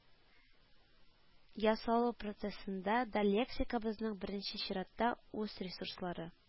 Ясалу процессында да лексикабызның беренче чиратта үз ресурслары